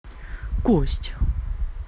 кость